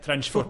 Trench foot.